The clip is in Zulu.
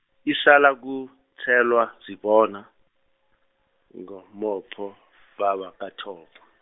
isalakutshelwa sibona ngomopho baba kaThok-.